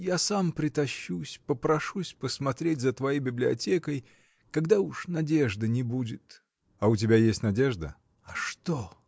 я сам притащусь, попрошусь смотреть за твоей библиотекой. когда уж надежды не будет. — А у тебя есть надежда? — А что?